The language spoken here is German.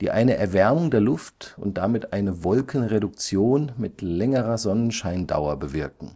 die eine Erwärmung der Luft und damit eine Wolkenreduktion mit längerer Sonnenscheindauer bewirken